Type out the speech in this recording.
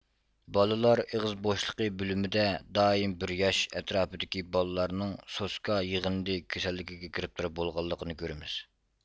بالىلار ئېغىز بوشلۇقى بۆلۈمىدە دائىم بىر ياش ئەتراپىدىكى بالىلارنىڭ سوسكا يىغىندى كېسەللىكىگە گىرىپتار بولغانلىقىنى كۆرىمىز